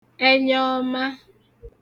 ẹnyaọma